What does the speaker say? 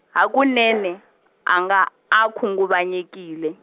hakunene, a nga a khunguvanyekile.